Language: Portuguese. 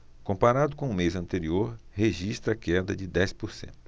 comparado com o mês anterior registra queda de dez por cento